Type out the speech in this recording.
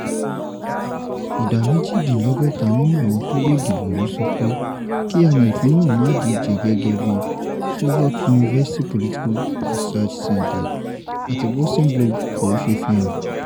Ìdá méjìdínlọ́gọ́ta nínú àwọn tí ó lè dìbò ló sọ pé kí amòfin náà má díje gẹ́gẹ́ bí Suffolk University Political Research Ceenter àti Boston Globe poll ṣe fi hàn.